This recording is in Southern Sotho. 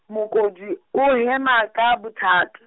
mokudi, o hema ka bothat-.